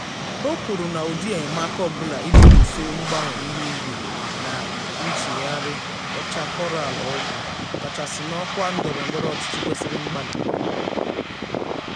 O kwuru na ụdị enyemaaka ọbụla iji lụso mgbanwe ihuigwe na nchagharị ọcha Koraalụ ọgụ, ọkachasị n'ọkwa ndọrọndọrọ ọchịchị, ""kwesịrị mgbalị""